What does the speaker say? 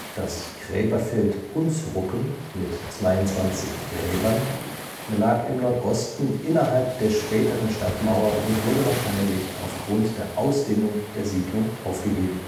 Das Gräberfeld „ Hundsrucken “(22 Gräber) lag im Nordosten innerhalb der späteren Stadtmauer und wurde wahrscheinlich auf Grund der Ausdehnung der Siedlung aufgegeben